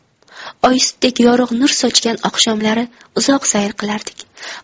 oy sutdek yorug' nur sochgan oqshomlari uzoq sayr qilardik